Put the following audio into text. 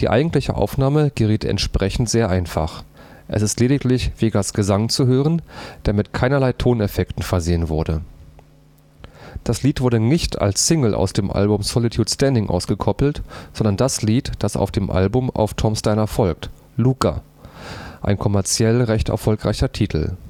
eigentliche Aufnahme geriet entsprechend sehr einfach: Es ist lediglich Vegas Gesang zu hören, der mit keinerlei Toneffekten versehen wurde. Das Lied wurde nicht als Single aus dem Album Solitude Standing ausgekoppelt, sondern das Lied, das auf dem Album auf Tom’ s Diner folgt: Luka – ein kommerziell recht erfolgreicher Titel